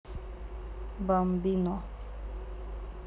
бамбино